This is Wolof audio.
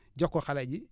jox ko xale ji